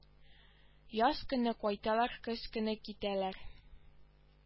Яз көне кайталар көз көне китәләр